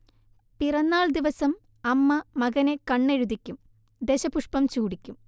പിറന്നാൾദിവസം അമ്മ മകനെ കണ്ണെഴുതിക്കും, ദശപുഷ്പം ചൂടിക്കും